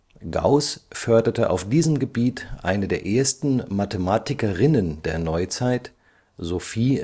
Gauß förderte auf diesem Gebiet eine der ersten Mathematikerinnen der Neuzeit, Sophie